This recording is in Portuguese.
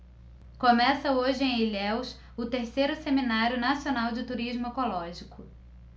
começa hoje em ilhéus o terceiro seminário nacional de turismo ecológico